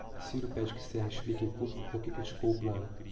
ciro pede que serra explique em público por que criticou plano